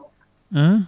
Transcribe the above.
an